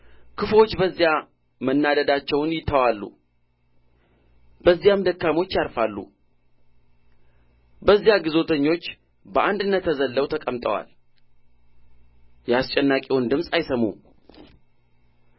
ክፉዎች በዚያ መናደዳቸውን ይተዋሉ በዚያም ደካሞች ያርፋሉ በዚያ ግዞተኞች በአንድነት ተዘልለው ተቀምጠዋል የአስጨናቂውን ድምፅ አይሰሙም